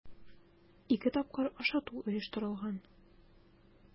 Ике тапкыр ашату оештырылган.